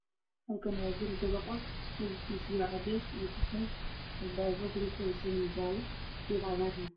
Halkan waa guri dabaq ah midabkis yahay cades io kafey albabka jale geed cagar